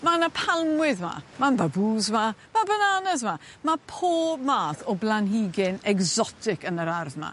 Ma' 'na palmwydd 'ma ma'n bambŵs 'ma bananas 'ma ma' pob math o blanhigyn egsotic yn yr ardd 'ma.